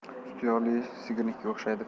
suti yog'li sigirnikiga o'xshaydi